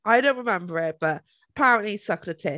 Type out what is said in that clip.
"I don't remember it, but apparently sucked her tit."